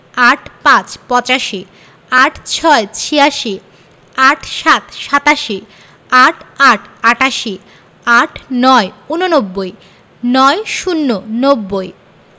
৮৫ – পঁচাশি ৮৬ – ছিয়াশি ৮৭ – সাতাশি ৮৮ – আটাশি ৮৯ – ঊননব্বই ৯০ - নব্বই